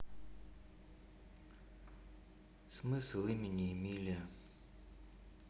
смысл имени эмилия